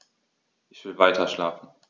Ich will weiterschlafen.